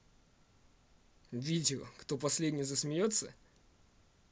видео кто последний засмеется